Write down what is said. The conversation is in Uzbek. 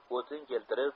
o'tin keltirib